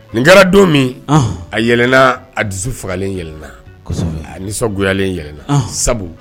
Nin kɛra don min. Ɔhɔn A yɛlɛnna a dusu fagalen yɛlɛnna. Kosɔbɛ! A nisɔngoyalen yɛlɛnna, sabu